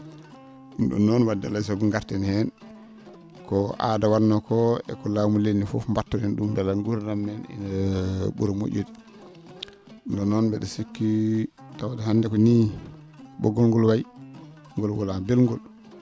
?um ?oon noon wadde alaa e sago ngarten heen ko aada wa?noo koo e ko laamu lelni fof mbatten heen ?um mbela nguurdam men ene ?ura mo??ude ndeen noon mbi?o sikki tawde hannde ko nii ?oggol ngol wayi ngol wonaa belgol